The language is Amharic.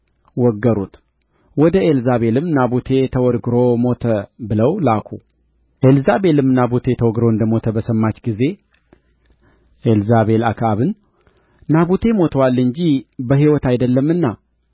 ወገሩት ወደ ኤልዛቤልም ናቡቴ ተወግሮ ሞተ ብለው ላኩ ኤልዛቤልም ናቡቴ ተወግሮ እንደ ሞተ በሰማች ጊዜ ኤልዛቤል አክዓብን ናቡቴ ሞቶአል እንጂ በሕይወት አይደለምና